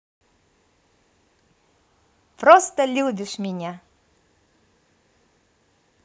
просто любишь меня